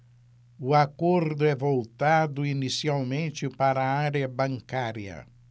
o acordo é voltado inicialmente para a área bancária